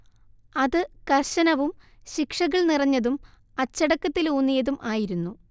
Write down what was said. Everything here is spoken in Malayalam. അത് കർശനവും ശിക്ഷകൾ നിറഞ്ഞതും അച്ചടക്കത്തിലൂന്നിയതും ആയിരുന്നു